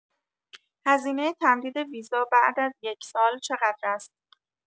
هزینه تمدید ویزا بعد از یکسال چقدر است؟